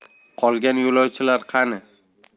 qolgan yo'lovchilar qani